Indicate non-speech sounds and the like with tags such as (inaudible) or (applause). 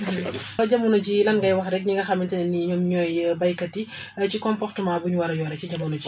(hesitation) (hesitation) jamono jii lan ngay wax rek ñi nga xamante ne nii ñoom ñooy béykat yi (breath) ci comportement bu ñu war a yore si jamono jii